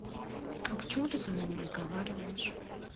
а почему ты со мной не разговариваешь